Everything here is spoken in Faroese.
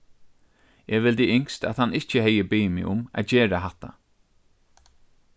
eg vildi ynskt at hann ikki hevði biðið meg um at gera hatta